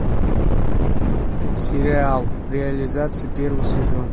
сериал реализация первый сезон